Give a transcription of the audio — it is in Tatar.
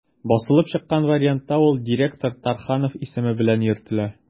Басылып чыккан вариантта ул «директор Тарханов» исеме белән йөртелә.